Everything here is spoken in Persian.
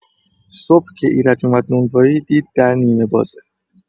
صبح که ایرج اومد نونوایی، دید در نیمه‌بازه.